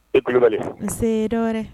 I kulubali n se